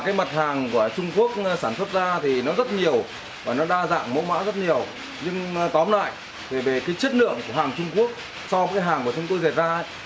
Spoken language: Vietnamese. cái mặt hàng của trung quốc sản xuất ra thì nó rất nhiều và nó đa dạng mẫu mã rất nhiều nhưng tóm lại về cái chất lượng của hàng trung quốc so với hàng của chúng tôi dệt ra ấy